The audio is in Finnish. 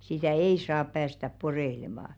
sitä ei saa päästää poreilemaan